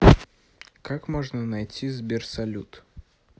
как можно найти сбер салют